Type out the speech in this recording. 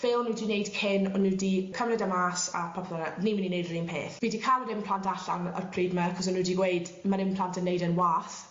be' o' n'w 'di neud cyn o'n n'w 'di cymryd e mas a popeth fel 'a ni myn' i neud yr un peth fi 'di ca'l yr implant allan ar pryd 'ma 'c'os o'n n'w 'di gweud ma'r implant yn neud e'n wath